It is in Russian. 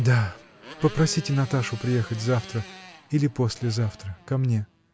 — Да, попросите Наташу приехать завтра или послезавтра ко мне.